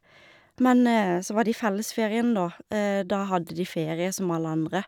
Men så var det i fellesferien, da, da hadde de ferie som alle andre.